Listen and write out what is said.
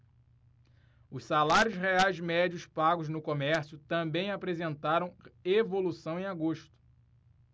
os salários reais médios pagos no comércio também apresentaram evolução em agosto